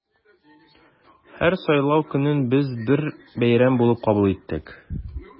Һәр сайлау көнен без бер бәйрәм булып кабул иттек.